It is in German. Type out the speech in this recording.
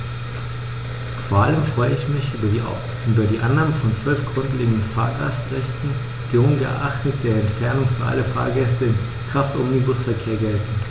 Vor allem freue ich mich über die Annahme von 12 grundlegenden Fahrgastrechten, die ungeachtet der Entfernung für alle Fahrgäste im Kraftomnibusverkehr gelten.